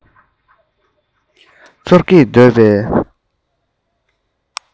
དུས མིན ལ